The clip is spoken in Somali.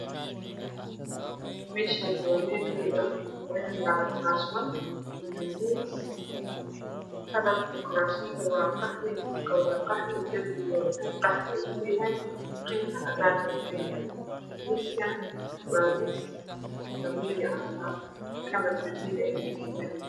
Meeshani waa meel hool ah waxaa yaalo kuraas iyo miis kalarka kurustu waa qaxwi dhulka waa qaxwi darbiga qayb qaxwi kayahay qaybna cadaan ayuu kayahay miiskan a waa miis dameeri ah kalar dameeri ah ayuu leyahay